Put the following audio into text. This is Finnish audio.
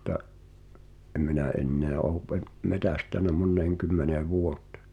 mutta en minä enää ole - metsästänyt moneen kymmeneen vuoteen